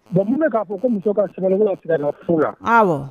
Bon mun k'a fɔ ko muso ka tigɛ su la